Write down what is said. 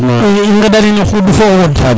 i ngendanin o xuund fo o wod